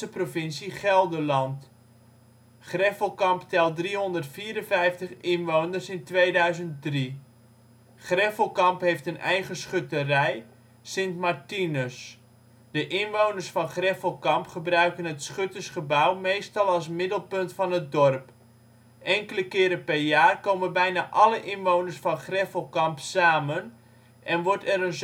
provincie Gelderland. Greffelkamp telt 354 inwoners (stand 2003). Greffelkamp heeft een eigen schutterij: St. Martinus. De inwoners van Greffelkamp gebruiken het schuttersgebouw meestal als middelpunt van het dorp. Enkele keren per jaar komen bijna alle inwoners van Greffelkamp samen en wordt er een zogenaamd